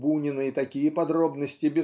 у Бунина и такие подробности